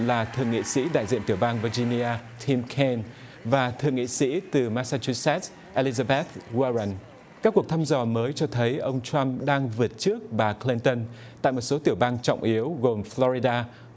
là thượng nghị sĩ đại diện tiểu bang vơ din ni a thiên ken và thượng nghị sĩ từ mát xe chơ xét ê li da bét goa rần các cuộc thăm dò mới cho thấy ông trăm đang vượt trước bà cờ len tần tại một số tiểu bang trọng yếu gồm phờ lo ri đa